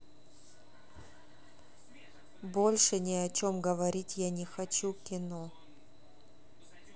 больше не о чем говорить я хочу кино